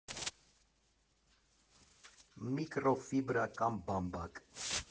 Միկրոֆիբրա կամ բամբակ։